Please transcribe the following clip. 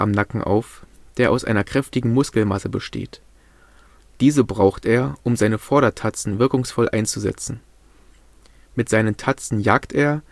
Nacken auf, der aus einer kräftigen Muskelmasse besteht. Diese braucht er, um seine Vordertatzen wirkungsvoll einzusetzen. Mit seinen Tatzen jagt er